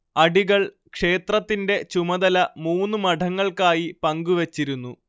അടികൾ ക്ഷേത്രത്തിൻറെ ചുമതല മൂന്ന് മഠങ്ങൾക്കായി പങ്കുവച്ചിരുന്നു